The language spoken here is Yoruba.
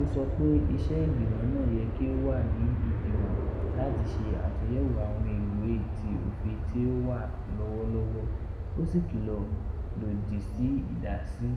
o sọ pe iṣẹ igbimọ naa yẹ ki o wa ni idiwọn "lati ṣe atunyẹwo awọn iwe ti ofin ti o wa lọwọlọwọ," o si kilo lodi si idasi.